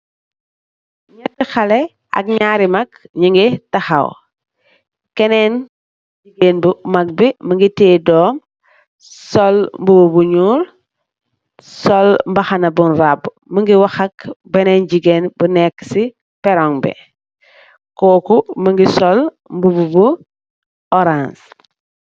Naari xale ak naari maag nyugi taxaw kenen jigeen bu maag bi mogi tiyeh dom sol mbuba bu nuul sol mbahana bun raba mogi wahat benen jigeen bu neka si peron bi koku mogi sol mbuba bu orance.